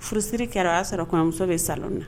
Furusiri kɛra o y'a sɔrɔ komuso bɛ salon na